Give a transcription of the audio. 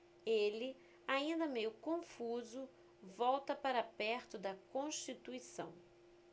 ele ainda meio confuso volta para perto de constituição